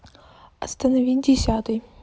остановить десятый